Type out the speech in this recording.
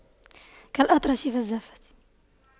كالأطرش في الزَّفَّة